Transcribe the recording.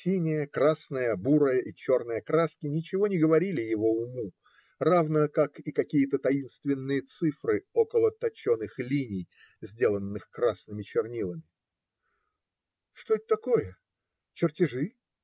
Синяя, красная, бурая и черная краски ничего не говорили его уму, равно как и какие-то таинственные цифры около точечных линий, сделанные красными чернилами. - Что это такое? Чертежи?